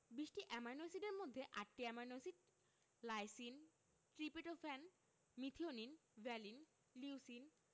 ২০টি অ্যামাইনো এসিডের মধ্যে ৮টি amino acid lysine tryptophan methionine valine leucine